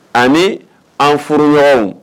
Ani an furuɲɔgɔnw